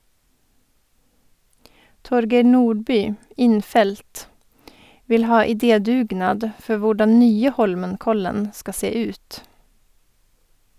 Torgeir Nordby, innfelt, vil ha idédugnad for hvordan nye Holmenkollen skal se ut.